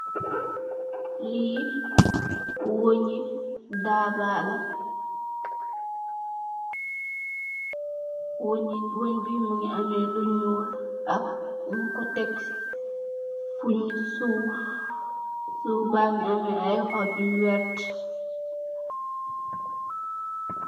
Lee weahnye daba la weahnye weah be muge ameh lu nuul ak nugku take fu nu suuf suuf bage ameh aye hopp yu werte.